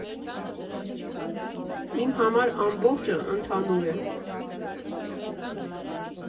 Ինձ համար ամբողջը ընդհանուր է։